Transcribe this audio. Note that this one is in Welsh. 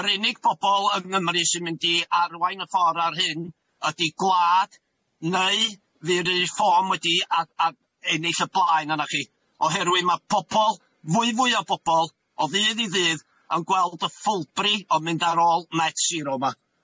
Yr unig bobol yng Nghymru sy'n mynd i arwain y ffor ar hyn, ydi gwlad neu fu'r uform wedi a- a- ennill y blaen arnoch chi, oherwydd ma' pobol fwy fwy o bobol o ddydd i ddydd a'n gweld y ffwlbri o'n mynd ar ôl met siro 'ma.